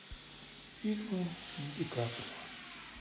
фильмы с ди каприо